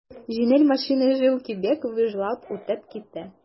Җиңел машина җил кебек выжлап үтеп китте.